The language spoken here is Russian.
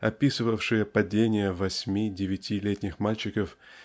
описывавшие "падения" восьми-девятилетних мальчиков